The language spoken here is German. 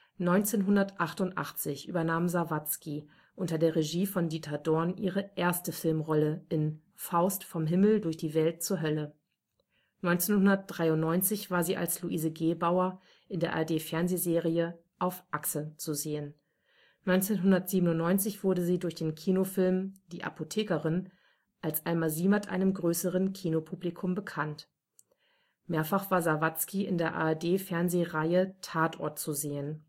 1988 übernahm sie unter der Regie von Dieter Dorn ihre erste Filmrolle in Faust – Vom Himmel durch die Welt zur Hölle. 1993 war sie als Luise Gehbauer in der ARD-Fernsehserie Auf Achse zu sehen. 1997 wurde sie durch den Kinofilm Die Apothekerin als Alma Siebert einem größeren Kinopublikum bekannt. Mehrfach war Sawatzki in der ARD-Fernsehreihe Tatort zu sehen